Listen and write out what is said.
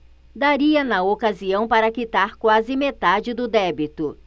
daria na ocasião para quitar quase metade do débito